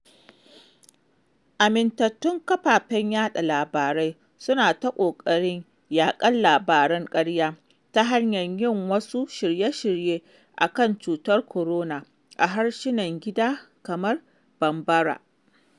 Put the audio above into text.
Amintattun kafafen yaɗa labarai suna ta ƙoƙarin yaƙar labaran ƙarya, ta hanyar yin wasu shirye-shirye a kan cutar Kwarona a harsunan gida kamar #bambara.